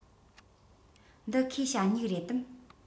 འདི ཁོའི ཞ སྨྱུག རེད དམ